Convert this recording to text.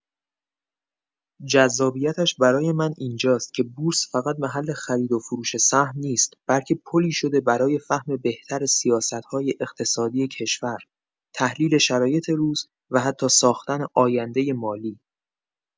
جذابیتش برای من اینجاست که بورس فقط محل خرید و فروش سهم نیست، بلکه پلی شده برای فهم بهتر سیاست‌های اقتصادی کشور، تحلیل شرایط روز، و حتی ساختن آیندۀ مالی.